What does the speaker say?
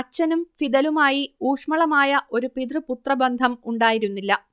അച്ഛനും ഫിദലുമായി ഊഷ്മളമായ ഒരു പിതൃ പുത്രബന്ധം ഉണ്ടായിരുന്നില്ല